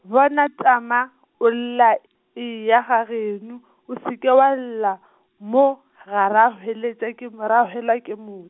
bona tama, o lla, e ya ga geno, o seke wa lla, mo, ga ra hweletša ke mara-, hwela ke mo.